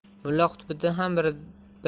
mulla qutbiddin ham biri biridan